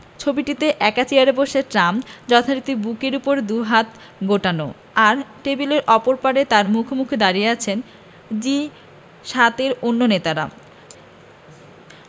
ছবিটিতে একা চেয়ারে বসে ট্রাম্প যথারীতি বুকের ওপর দুই হাত গোটানো আর টেবিলের অপর পারে তাঁর মুখোমুখি দাঁড়িয়ে আছেন জি ৭ এর অন্য নেতারা